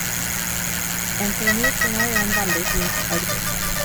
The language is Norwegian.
NTNU til meg er en veldig fin f arbeidsplass.